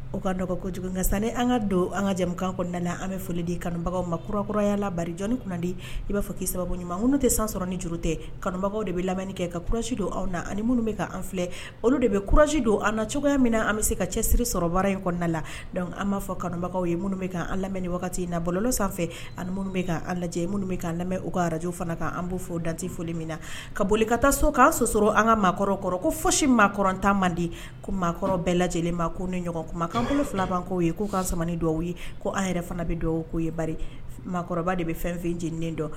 O ka dɔgɔ kosan an ka don an ka jamukan kɔnɔnanan an bɛ foli di kanubagaw makɔrɔya la jɔnni kunnadi i b'a fɔ kii sababuɲuman minnu tɛ san sɔrɔ ni juru tɛ kanubagaw de bɛ lamini kɛ kakurasi don aw na ani minnu bɛan filɛ olu de bɛ kusi don an na cogoya min na an bɛ se ka cɛsiri sɔrɔ baara in kɔnɔna la an b'a fɔ kanubagaw ye minnu bɛ an lamɛn ni wagati in na balo sanfɛ ani minnu bɛ ka an lajɛ minnu bɛ lamɛn u ka arajo fana kanan b' fo dati foli min na ka boli ka taa so k'an sososɔrɔ an ka maakɔrɔkɔrɔ ko foyisi maaɔrɔn ta mande ko maakɔrɔ bɛɛ lajɛ lajɛlen ma ko ni ɲɔgɔn kuma'an bolo filaba koo ye k'u ka sɔmani dɔw aw ye ko an yɛrɛ fana bɛ dɔw k'o yekɔrɔbaba de bɛ fɛn fɛn jeniden dɔn